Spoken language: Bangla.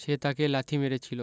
সে তাকে লাথি মেরে ছিল